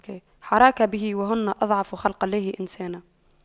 حراك به وهن أضعف خلق الله إنسانا